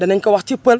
danañ ko wax ci pël